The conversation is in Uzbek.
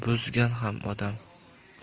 buzgan ham odam